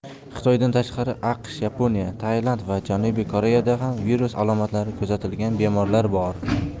xitoydan tashqari aqsh yaponiya tailand va janubiy koreyada ham virus alomatlari kuzatilgan bemorlar bor